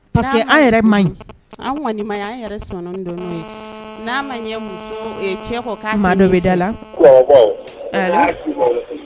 Pa que an yɛrɛ man ɲi an kɔniɔni y an yɛrɛ sɔn don ye n'a ma ɲɛ mun ye cɛ kɔ ka maa dɔ bɛ da la